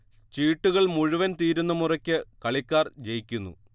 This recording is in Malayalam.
ചീട്ടുകൾ മുഴുവൻ തീരുന്ന മുറയ്ക്ക് കളിക്കാർ ജയിക്കുന്നു